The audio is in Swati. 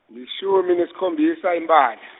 lishumi nesikhombisa imbala.